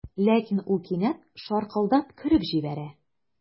Ләкин ул кинәт шаркылдап көлеп җибәрә.